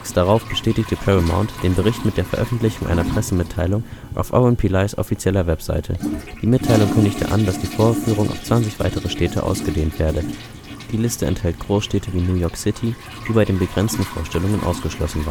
darauf bestätigte Paramount den Bericht mit der Veröffentlichung einer Pressemitteilung auf Oren Pelis offizieller Webseite. Die Mitteilung kündigte an, dass die Vorführung auf 20 weitere Städte ausgedehnt werde. Die Liste enthält Großstädte wie New York City, die bei den begrenzten Vorstellungen ausgeschlossen